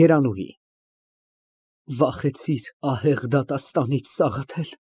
ԵՐԱՆՈՒՀԻ ֊ Վախեցիր ահեղ դատաստանից, Սաղաթել։